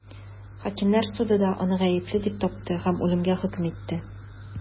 Хакимнәр суды да аны гаепле дип тапты һәм үлемгә хөкем итте.